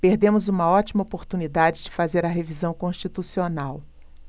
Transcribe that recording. perdemos uma ótima oportunidade de fazer a revisão constitucional